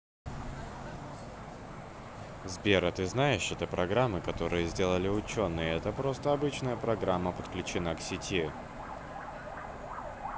сбер а ты знаешь это программы которые сделали ученые и это просто обычная программа подключена к сети